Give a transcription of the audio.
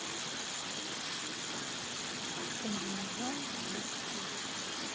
комбинезон детский